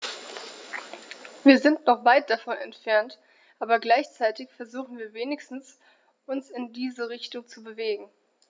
Wir sind noch weit davon entfernt, aber gleichzeitig versuchen wir wenigstens, uns in diese Richtung zu bewegen.